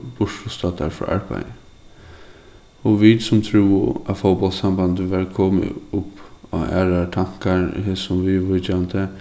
burturstaddar frá arbeiði og vit sum trúðu at fótbóltssambandið var komið upp á aðrar tankar hesum viðvíkjandi